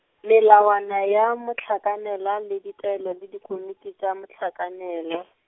melawana ya mohlakanelwa le ditaelo le dikomiti tša mohlakanelwa.